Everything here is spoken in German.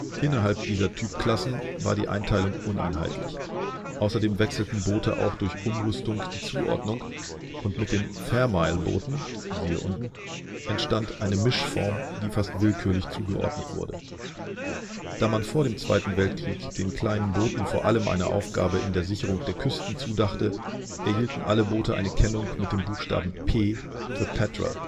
Innerhalb dieser Typ-Klassen war die Einteilung uneinheitlich, außerdem wechselten Boote auch durch Umrüstung die Zuordnung und mit den „ Fairmile-Booten “(s. u.) entstand eine Mischform, die fast willkürlich zugeordnet wurde. Da man vor dem Zweiten Weltkrieg den kleinen Booten vor allem eine Aufgabe in der Sicherung der Küsten zudachte, erhielten alle Boote eine Kennung mit dem Buchstaben P für Patrol